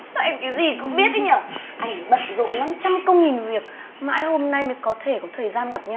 sao em cái cũng biết ý nhở anh ấy bận rộn lắm trăm công nghìn việc mãi hôm nay mới có thể có thời gian gặp nhau